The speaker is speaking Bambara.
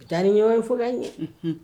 U taa ni ɲɔgɔn ye fɔ la ɲɛ